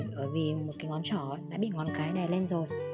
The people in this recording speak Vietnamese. tại sao có ba ngón thì bởi vì ngón chỏ đã bị ngón cái đè lên rồi